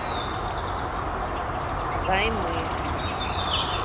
взаймы